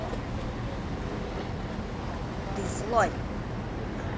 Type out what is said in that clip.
ты злой